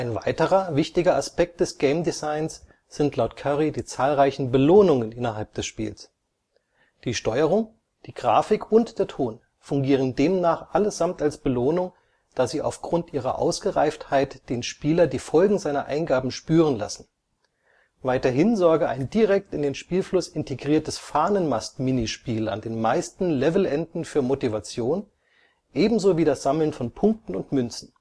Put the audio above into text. weiterer wichtiger Aspekt des Game-Designs sind laut Curry die zahlreichen Belohnungen innerhalb des Spiels. Die Steuerung, die Grafik und der Ton fungieren demnach allesamt als Belohnung, da sie aufgrund ihrer Ausgereiftheit den Spieler die Folgen seiner Eingaben spüren lassen. Weiterhin sorge ein direkt in den Spielfluss integriertes Fahnenmast-Minispiel an den meisten Levelenden für Motivation, ebenso wie das Sammeln von Punkten und Münzen